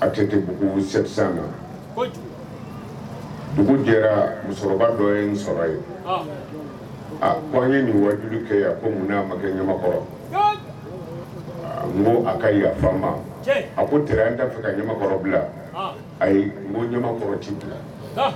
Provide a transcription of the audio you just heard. A tɛbugu sɛ na dugu jɛra musokɔrɔba dɔ ye n sɔrɔ ye a ko an ye nin waju kɛ a ko' ma kɛ ɲamakɔrɔ n a ka yafama a ko teri an'a fɛ ka ɲamakɔrɔ bila ayi ɲamakɔrɔ ti bila